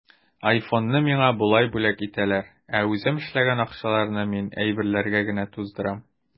Айфонны миңа болай бүләк итәләр, ә үзем эшләгән акчаларны мин әйберләргә генә туздырам.